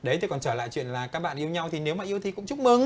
đấy chứ còn trở lại chuyện là các bạn yêu nhau thì nếu mà yêu thì cũng chúc mừng